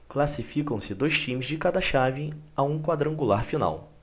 classificam-se dois times de cada chave a um quadrangular final